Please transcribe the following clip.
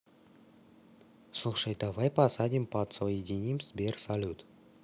слушай давай посадим подсоединим сбер салют